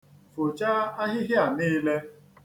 Fochaa ahịhịa a niile.